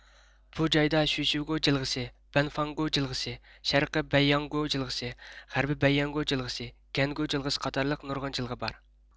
بۇ جايدا شۈيشىگۇ جىلغىسى بەنفاڭگۇ جىلغىسى شەرقىي بەيياڭگۇ جىلغىسى غەربىي بەيياڭگۇ جىلغىسى گەنگۇ جىلغىسى قاتارلىق نۇرغۇن جىلغا بار